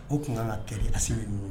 O tun kun kan ka kɛlɛ asi bɛ ninnu